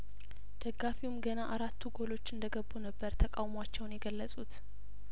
ደጋፊውም ገና አራቱ ጐሎች እንደገቡ ነበር ተቃውሟቸውን የገለጹት